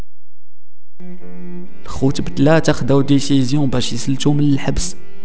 تخوت بدلات خدودي سيزون بس الجو من الحبس